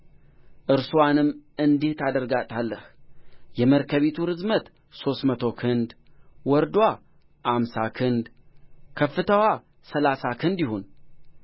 እኔም እነሆ ከምድር ጋር አጠፋቸዋለሁ ከጎፈር እንጨት መርከብን ለአንተ ሥራ በመርከቢቱም ጉርጆችን አድርግ በውስጥም በውጭም በቅጥራን ለቅልቃት